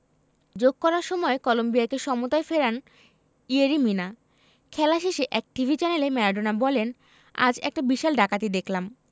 যোগ করা সময়ে কলম্বিয়াকে সমতায় ফেরান ইয়েরি মিনা খেলা শেষে এক টিভি চ্যানেলে ম্যারাডোনা বলেন আজ একটা বিশাল ডাকাতি দেখলাম